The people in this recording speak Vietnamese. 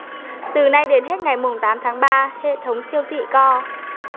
từ nay đến hết ngày mùng tám tháng ba hệ thống siêu thị co